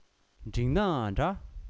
འགྲིག ནའང འདྲ